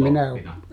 kloppina